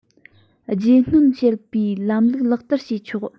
བརྗེ སྣོན བྱེད པའི ལམ ལུགས ལག བསྟར བྱས ཆོག